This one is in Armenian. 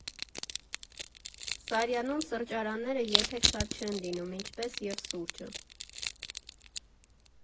Սարյանում սրճարանները երբեք շատ չեն լինում, ինչպես և՝ սուրճը։